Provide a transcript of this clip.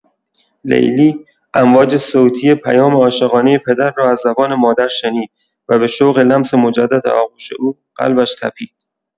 لیلی، امواج صوتی پیام عاشقانه پدر را از زبان مادر شنید و به‌شوق لمس مجدد آغوش او قلبش تپید.